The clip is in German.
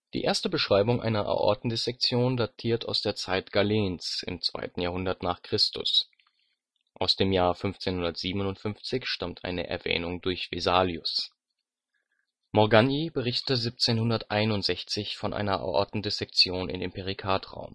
erste Beschreibung einer Aortendissektion datiert aus der Zeit Galens im zweiten Jahrhundert n. Chr., aus dem Jahr 1557 stammt eine Erwähnung durch Vesalius. Morgagni berichtete 1761 von einer Aortendissektion in den Perikardraum